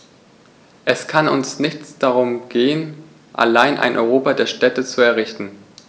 Es kann uns nicht darum gehen, allein ein Europa der Städte zu errichten.